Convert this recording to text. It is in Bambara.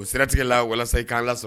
O siratigɛ la walasa k'an ka sɔrɔ